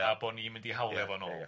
a bod ni'n mynd i hawlio fo nôl ia ia.